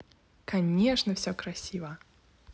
конечно все красиво